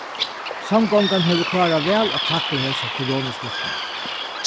samgongan hevur klárað væl at takkla hesa koronasmittuna